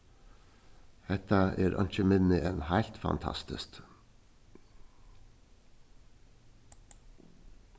hetta er einki minni enn heilt fantastiskt